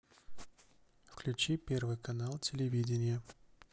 включи первый канал телевидения